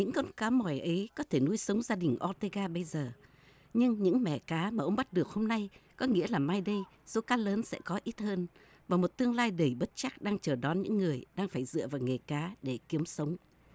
những con cá mòi ấy có thể nuôi sống gia đình o tê ga bấy giờ nhưng những mẻ cá mà ông bắt được hôm nay có nghĩa là mai đây số cá lớn sẽ có ít hơn và một tương lai đầy bất trắc đang chờ đón những người đang phải dựa vào nghề cá để kiếm sống